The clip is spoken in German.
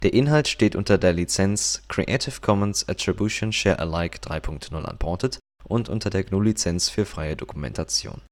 Inhalt steht unter der Lizenz Creative Commons Attribution Share Alike 3 Punkt 0 Unported und unter der GNU Lizenz für freie Dokumentation